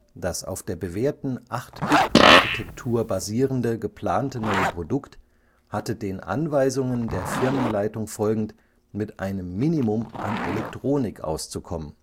Das auf der bewährten 8-Bit-Architektur basierende geplante neue Produkt hatte den Anweisungen der Firmenleitung folgend mit einem Minimum an Elektronik auszukommen